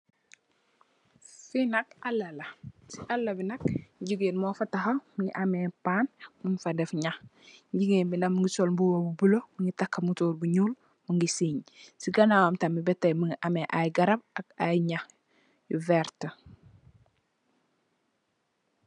Fi nak ala la, si ala bi nak jigeen mó fa taxaw mugii ameh pan mung fa def ñax. Jigeen bi nak mugii sol mbubu bu bula, mugii takka mesor bu ñuul, mugii seeñ. Ci ganaw wam tamid batay mugii ameh ay garap ak ay ñax werta.